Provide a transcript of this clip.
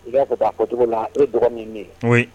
I b'a fɔ' fɔ cogo la e dɔgɔnin min min ye